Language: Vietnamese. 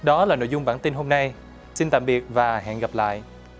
đó là nội dung bản tin hôm nay xin tạm biệt và hẹn gặp lại